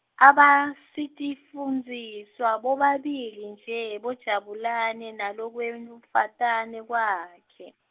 abasitifundziswa bobabili nje, boJabulane nalokwemfatana kwakhe.